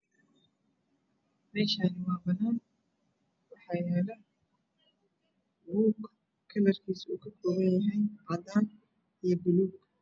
Meshan waa banan waxa yalo buug kalarkis oo kakoban yahay cadan io baluug